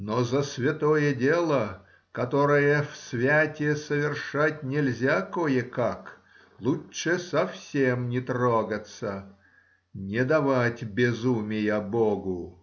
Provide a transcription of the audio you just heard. но за святое дело, которое всвяте совершать нельзя кое-как, лучше совсем не трогаться — не давать безумия богу.